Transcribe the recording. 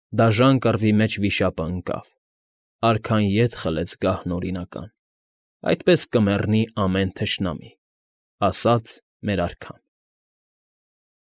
Դաժան կռվի մեջ վիշապը ընկավ, Արքան ետ խլեց գահն օրինական, Այդպես կմեռնի ամեն թշնամի՝ Ասաց մեր արքան։